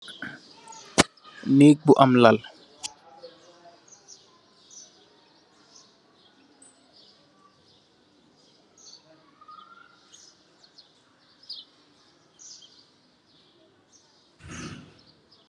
Nèèk bu am lal.